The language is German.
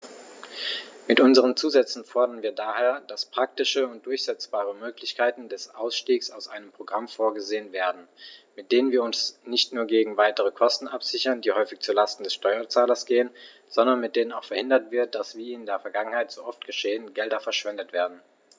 Mit unseren Zusätzen fordern wir daher, dass praktische und durchsetzbare Möglichkeiten des Ausstiegs aus einem Programm vorgesehen werden, mit denen wir uns nicht nur gegen weitere Kosten absichern, die häufig zu Lasten des Steuerzahlers gehen, sondern mit denen auch verhindert wird, dass, wie in der Vergangenheit so oft geschehen, Gelder verschwendet werden.